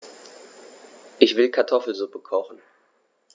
Ich will Kartoffelsuppe kochen.